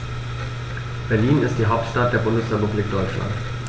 Berlin ist die Hauptstadt der Bundesrepublik Deutschland.